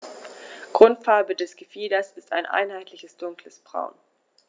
Grundfarbe des Gefieders ist ein einheitliches dunkles Braun.